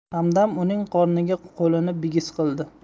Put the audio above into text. hamdam uning qorniga qo'lini bigiz qildi